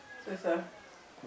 c' es ça